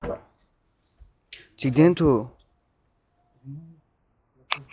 འཇིག རྟེན དུ